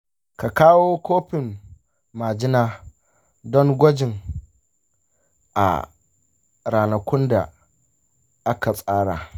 ka kawo kofin majina don gwaji a ranakun da aka tsara.